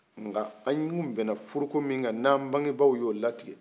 nga tun bɛnna furko min kan n'an bagebagaw y'o latigɛ